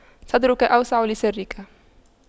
صدرك أوسع لسرك